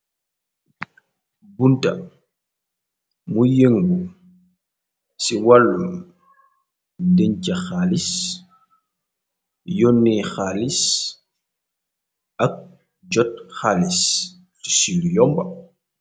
Bunta muy yëngu ci wàllu dëñcha xaalis yonne xaalis ak jot xaalis ci lu yomba.